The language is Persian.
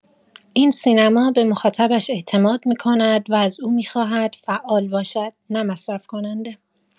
این سینما به مخاطبش اعتماد می‌کند و از او می‌خواهد فعال باشد، نه مصرف‌کننده.